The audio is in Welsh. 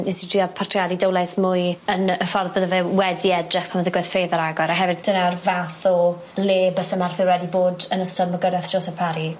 Nes i trio portreadu Dowlais mwy yn y ffordd bydde fe wedi edrych pan o'dd y gweithfeydd ar agor oherwydd dyna'r fath o le byse Merthyr wedi bod yn ystod mygyrreth Joseph Parry.